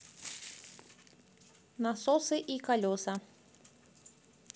насосы и колеса